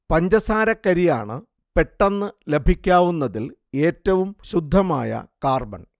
പഞ്ചസാരക്കരിയാണ് പെട്ടെന്ന് ലഭിക്കാവുന്നതിൽ ഏറ്റവും ശുദ്ധമായ കാർബൺ